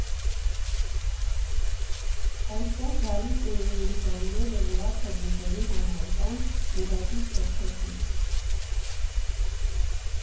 Այստեղ գալիս էին երիկամները, լյարդը բուժելու համար, կամ ուղղակի չոփչոփի։